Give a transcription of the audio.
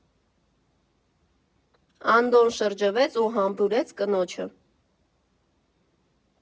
Անդոն շրջվեց ու համբուրեց կնոջը։